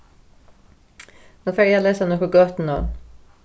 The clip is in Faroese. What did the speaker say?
nú fari eg at lesa nøkur gøtunøvn